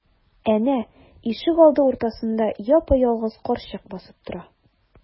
Әнә, ишегалды уртасында япа-ялгыз карчык басып тора.